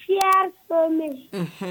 Shɛ ko min